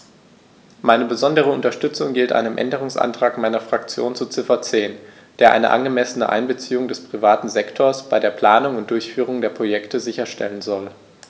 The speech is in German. Meine besondere Unterstützung gilt einem Änderungsantrag meiner Fraktion zu Ziffer 10, der eine angemessene Einbeziehung des privaten Sektors bei der Planung und Durchführung der Projekte sicherstellen soll.